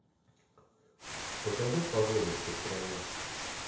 покажи погоду в костроме